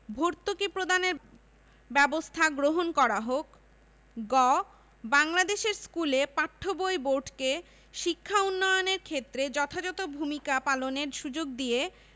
ভর্তুকি প্রদানের ব্যবস্থা গ্রহণ করা হোক গ বাংলাদেশের স্কুলে পাঠ্য বই বোর্ডকে শিক্ষা উন্নয়নের ক্ষেত্রে যথাযথ ভূমিকা পালনের সুযোগ দিয়ে